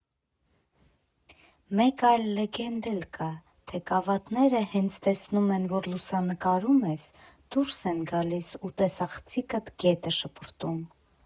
Մեկ այլ լեգենդ էլ կա, թե կավատները հենց տեսնում են, որ լուսանկարում ես, դուրս են գալիս ու տեսախցիկդ գետը շպրտում։